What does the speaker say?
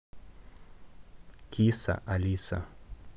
киса алиса